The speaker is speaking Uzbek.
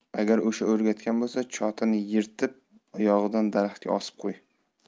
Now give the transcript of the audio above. agar o'sha o'rgatgan bo'lsa chotini yirib oyog'idan daraxtga osib qo'y